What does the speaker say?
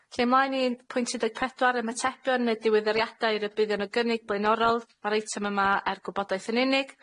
Felly ymlaen i pwynt un deg pedwar, ymatebion neu diweddariade i rybuddion o gynnig blaenorol. Ma'r eitem yma er gwybodaeth yn unig.